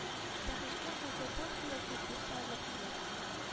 Бәхеткә хәзер бу өлкәдә тәртип салынып килә